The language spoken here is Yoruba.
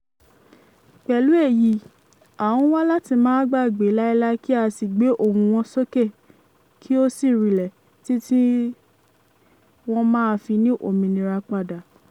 Pẹ̀lú èyí, à ń wá láti má gbàgbé láíláí kí á sì gbé ohùn wọn sókè kí ó sì rinlẹ̀, títí wọ́n máa fi ní òmìnira padà.